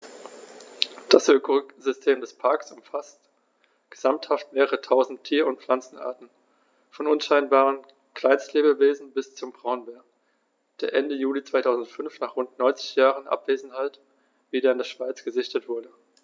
Das Ökosystem des Parks umfasst gesamthaft mehrere tausend Tier- und Pflanzenarten, von unscheinbaren Kleinstlebewesen bis zum Braunbär, der Ende Juli 2005, nach rund 90 Jahren Abwesenheit, wieder in der Schweiz gesichtet wurde.